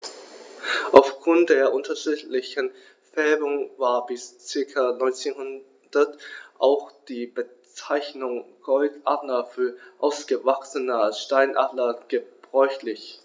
Auf Grund der unterschiedlichen Färbung war bis ca. 1900 auch die Bezeichnung Goldadler für ausgewachsene Steinadler gebräuchlich.